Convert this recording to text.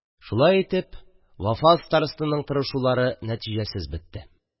Шулай итеп, Вафа старостаның тырышулары нәтиҗәсез бетте.